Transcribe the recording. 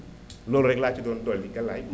loolu rek laa ci doon dolli Galaye